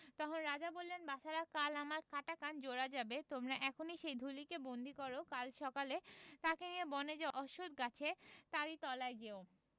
তখন রাজা বললেন বাছারা কাল আমার কাটা কান জোড়া যাবে তোমরা এখন সেই ঢুলিকে বন্দী কর কাল সকালে তাকে নিয়ে বনে যে অশ্বখ গাছে তারই তলায় যেও